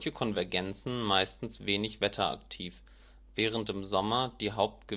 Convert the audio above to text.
Konvergenzen meistens wenig wetteraktiv, während im Sommer die Haupt-Gewittertätigkeit